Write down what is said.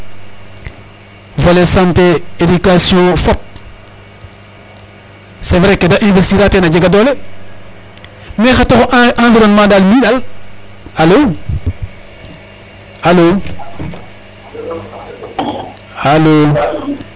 O ɗeetangaan volet santé éducation fop c' est vrai investir a ten a jega doole mais xa taxu environnement daal mi daal. Alo, alo. alo.